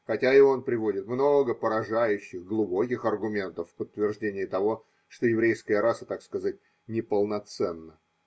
хотя и он приводит много поражающих, глубоких аргументов в подтверждение того, что еврейская раса, так сказать, неполноценна.